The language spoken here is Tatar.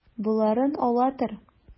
Боларын ала тор.